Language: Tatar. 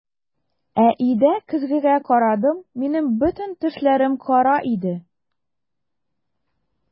Ә өйдә көзгегә карадым - минем бөтен тешләрем кара иде!